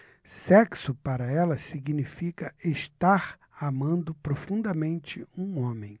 sexo para ela significa estar amando profundamente um homem